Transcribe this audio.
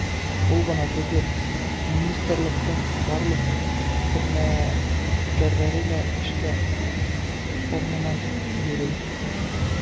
Ул гына түгел, министрлыкның барлык хезмәткәрләре дә эшкә формадан йөри.